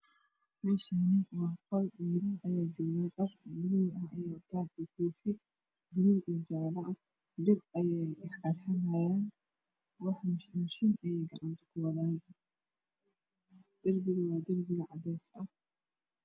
Meshaani waa qol wilal ayaaa jogaan dhar baluug ayeey wataan iyo kofi baluug iyo jaalo ah bir ayeey al xamayaan wax mushin mushin ey gacanat ku wadaan darbigu waa darbi cadeesa ah